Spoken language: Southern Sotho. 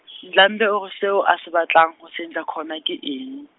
Ndlambe o re seo a se batlang ho Senzangakhona ke eng.